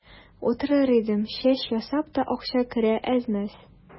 Утырыр идем, чәч ясап та акча керә әз-мәз.